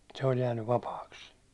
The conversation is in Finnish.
se oli jäänyt vapaaksi